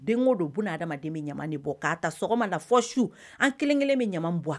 Den o don b adamadamaden bɛ ɲama de bɔ k'a ta sɔgɔma la fɔ su an kelenkelen bɛ ɲama bɔ